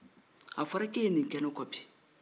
a fɔra k'e ye nin kɛ ne kɔ bi